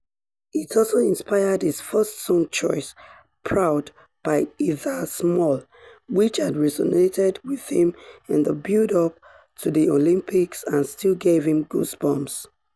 It also inspired his first song choice - Proud by Heather Small - which had resonated with him in the build up to the Olympics and still gave him goosebumps.